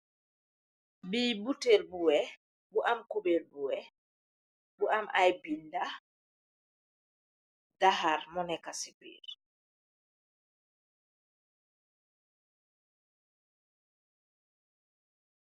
Bi butal bu weex bu am culur bu weex bu am ay binda daxar mo neka ci biir.